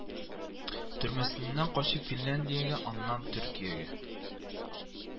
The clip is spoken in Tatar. Төрмәсеннән качып финляндиягә, аннан төркиягә